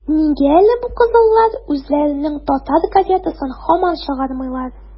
- нигә әле бу кызыллар үзләренең татар газетасын һаман чыгармыйлар?